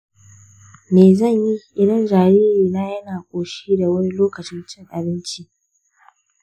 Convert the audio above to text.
me zan yi idan jariri yana koshi da wuri lokacin cin abinci?